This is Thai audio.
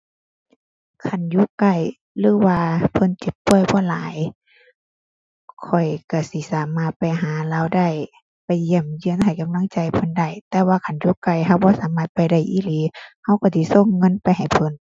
คันอยู่ใกล้หรือว่าเพิ่นเจ็บป่วยบ่หลาย ข้อยก็สิสามารถไปหาเลาได้ ไปเยี่ยมเยียนให้กำลังใจเพิ่นได้ แต่ว่าคันอยู่ไกลก็บ่สามารถไปได้อีหลี ก็ก็สิส่งเงินไปให้เพิ่น